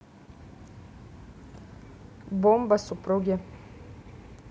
bomba супруги